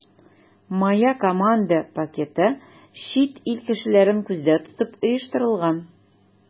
“моя команда” пакеты чит ил кешеләрен күздә тотып оештырылган.